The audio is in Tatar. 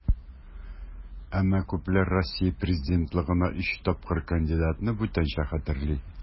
Әмма күпләр Россия президентлыгына өч тапкыр кандидатны бүтәнчә хәтерли.